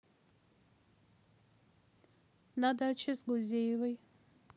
на даче с гузеевой